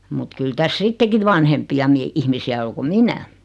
mutta kyllä tässä sittenkin vanhempia - ihmisiä on kuin minä